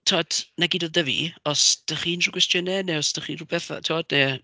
Timod, 'na gyd oedd 'da fi, oes 'da chi unrhyw gwestiynnau neu oes 'da chi rywbeth yy timod neu...